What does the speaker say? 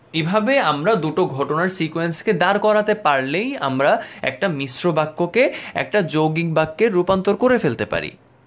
এভাবে আমরা দুটো ঘটনার সিকুয়েন্স কে দাঁড় করাতে পারলেই আমরা একটা মিশ্র বাক্য কে যৌগিক বাক্যে রূপান্তর করে ফেলতে পারি